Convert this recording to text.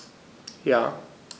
Ja.